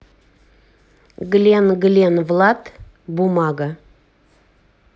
глен глен влад бумага